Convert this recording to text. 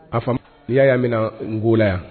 A fa